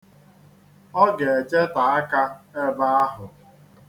Ọ ga-echeta aka ebe ahụ.